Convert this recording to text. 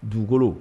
Dugukolo